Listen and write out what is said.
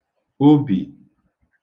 obì